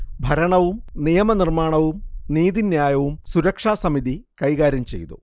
ഭരണവും നിയമനിർമ്മാണവും നീതിന്യായവും സുരക്ഷാസമിതി കൈകാര്യം ചെയ്തു